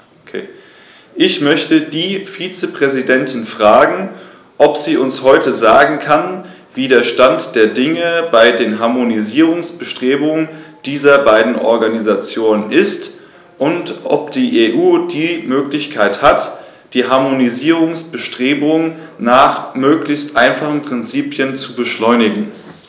Ich möchte die Vizepräsidentin fragen, ob sie uns heute sagen kann, wie der Stand der Dinge bei den Harmonisierungsbestrebungen dieser beiden Organisationen ist, und ob die EU die Möglichkeit hat, die Harmonisierungsbestrebungen nach möglichst einfachen Prinzipien zu beschleunigen.